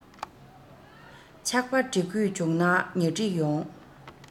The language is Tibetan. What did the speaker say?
ཆགས པ སྒྲིག དགོས བྱུང ན ཉ སྒྲིག ཡོང